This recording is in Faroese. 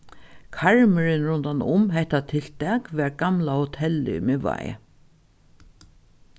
karmurin rundanum hetta tiltak var gamla hotellið í miðvági